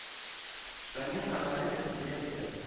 Фәнни-гамәли конференция